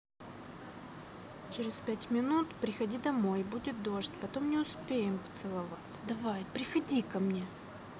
через пять минут приходи домой будет дождь потом не успеем поцеловаться давай приходи ко мне домой